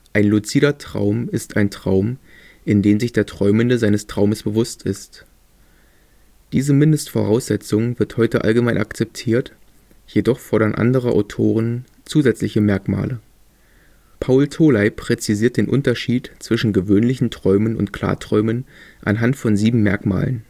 Ein luzider Traum ist ein Traum, in dem sich der Träumende seines Traumes bewusst ist “. Diese Mindestvoraussetzung wird heute allgemein akzeptiert, jedoch fordern andere Autoren zusätzliche Merkmale. Paul Tholey präzisiert den Unterschied zwischen gewöhnlichen Träumen und Klarträumen anhand von sieben Merkmalen